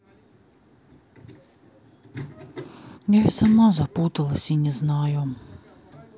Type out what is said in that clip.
я и сама запуталась и не знаю